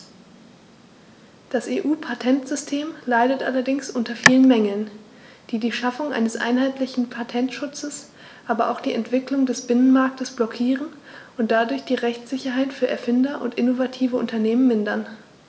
Das EU-Patentsystem leidet allerdings unter vielen Mängeln, die die Schaffung eines einheitlichen Patentschutzes, aber auch die Entwicklung des Binnenmarktes blockieren und dadurch die Rechtssicherheit für Erfinder und innovative Unternehmen mindern.